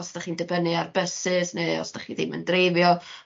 os 'dach chi'n dibynnu ar byses ne' os 'dach chi ddim yn dreifio